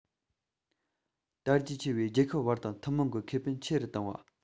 དར རྒྱས ཆེ བའི རྒྱལ ཁབ བར དང ཐུན མོང གི ཁེ ཕན ཆེ རུ བཏང བ